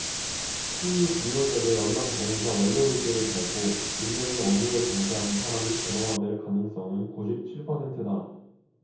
십 육 위원자재 연마 가공사 원료물질을 갈고 윤내는 업무에 종사하는 사람이 자동화될 가능성은 구십 칠 퍼센트다